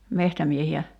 metsämiehiä